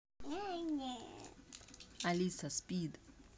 алиса спид